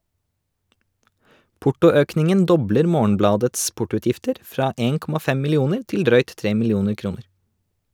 Portoøkningen dobler Morgenbladets portoutgifter fra 1.5 millioner til drøyt tre millioner kroner.